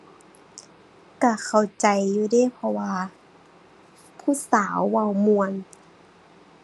ก็เข้าใจอยู่เดะ เพราะว่าผู้สาวเว้าม่วน